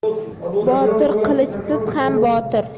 botir qilichsiz ham botir